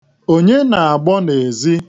Onye na-agbọ n'ezi?